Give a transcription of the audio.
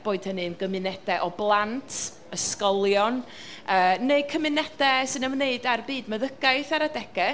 boed hynny'n gymunedau o blant, ysgolion, yy neu cymunedau sy'n ymwneud â'r byd meddygaeth ar adegau.